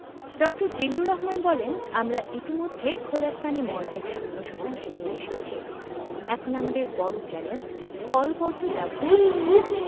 ড জিল্লুর রহমান. বলেন আমরা ইতিমধ্যে খোলা স্থানে মলত্যাগ শূন্য শতাংশে নিয়ে এসেছি এখন আমাদের বড় চ্যালেঞ্জ পয়ঃবর্জ্য ব্যবস্থাপনা